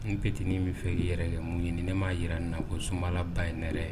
Njn petit_ nin bɛ fɛ k'i yɛrɛ mun ye, ni ne ma jira nin na ko sunbala ba ye nɛrɛ ye.